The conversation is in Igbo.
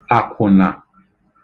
àkwụ̀nà